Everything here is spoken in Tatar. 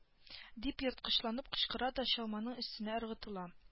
Дип ерткычланып кычкыра да чалманың өстенә ыргытыла